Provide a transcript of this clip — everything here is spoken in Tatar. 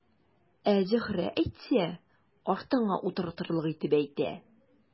Ә Зөһрә әйтсә, артыңа утыртырлык итеп әйтә.